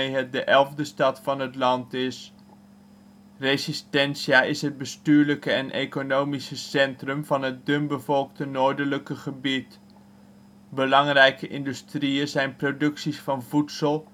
het de elfde stad van het land is. Resistencia is het bestuurlijke en economische centrum van het dunbevolkte noordelijke gebied. Belangrijke industrieën zijn producties van voedsel